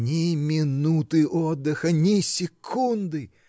-- Ни минуты отдыха, ни секунды!